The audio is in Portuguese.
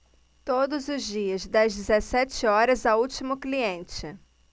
todos os dias das dezessete horas ao último cliente